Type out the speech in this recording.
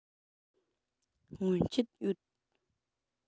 སྔོན ཆད ཡོད